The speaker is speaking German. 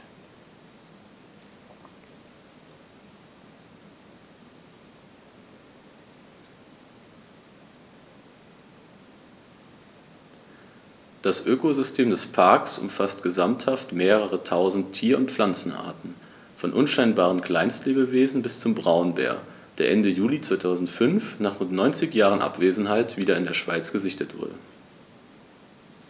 Das Ökosystem des Parks umfasst gesamthaft mehrere tausend Tier- und Pflanzenarten, von unscheinbaren Kleinstlebewesen bis zum Braunbär, der Ende Juli 2005, nach rund 90 Jahren Abwesenheit, wieder in der Schweiz gesichtet wurde.